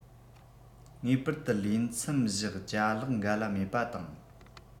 ངེས པར དུ ལས མཚམས བཞག ཅ ལག འགའ ལ མེད པ བཏང